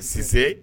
Sisanse